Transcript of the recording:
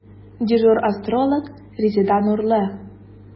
Дежур астролог – Резеда Нурлы.